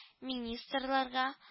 Министрларга